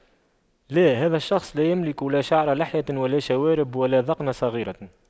لا هذا الشخص لا يملك لا شعر لحية ولا شوارب ولا ذقن صغيرة